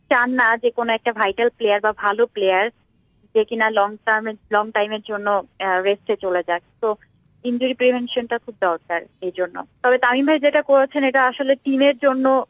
চান্না vital player বা ভালো player যে কিনা লং টাইম এর জন্য রেস্টে চলে যাক তো ইঞ্জুরি প্রিভেনশন টা খুব দরকার এ জন্য তবে তামিম ভাই যেটা করছেন সেটা টিমের জন্য